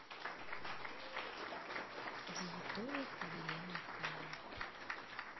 диетолог елена кален